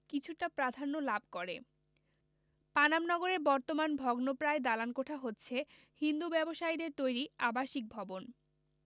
কিছুটা প্রাধান্য লাভ করে পানাম নগরের বর্তমান ভগ্নপ্রায় দালানকোঠা হচ্ছে হিন্দু ব্যবসায়ীদের তৈরি আবাসিক ভবন